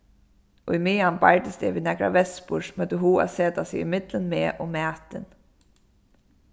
ímeðan bardist eg við nakrar vespur sum høvdu hug at seta seg ímillum meg og matin